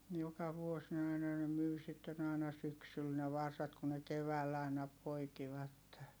joka vuosi ne aina ne myi sitten aina syksyllä ne varsat kun ne keväällä aina poikivat